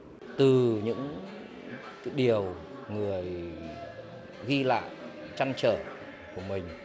từ những điều người ghi lại trăn trở của mình